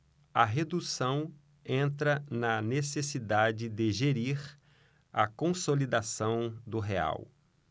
a redução entra na necessidade de gerir a consolidação do real